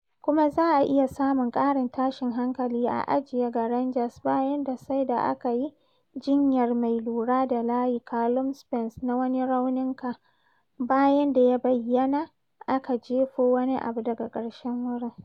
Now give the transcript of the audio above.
Kuma za a iya samun ƙarin tashin hankali a ajiye ga Rangers bayan da sai da aka yi jinyar mai lura da layi Calum Spence na wani raunin ka bayan da a bayyane aka jefo wani abu daga ƙarshen wurin.